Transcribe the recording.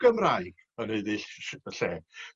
Gymraeg yn haeddu ll- sh- yy lle.